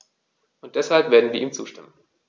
Und deshalb werden wir ihm zustimmen.